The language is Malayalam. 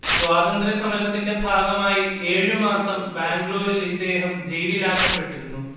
സ്വാതന്ത്ര സമരത്തിന്റെ ഭാഗമായി ഏഴുമാസം ബാംഗ്ലൂരിൽ ഇദ്ദേഹം ജയിലിലാക്കപ്പെട്ടിരുന്നു